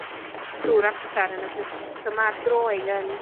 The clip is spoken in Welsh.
Trw'r amsar yn y dydd- so ma'r drawing yn